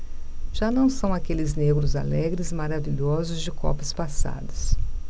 já não são aqueles negros alegres e maravilhosos de copas passadas